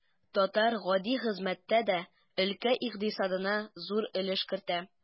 Татар гади хезмәттә дә өлкә икътисадына зур өлеш кертә.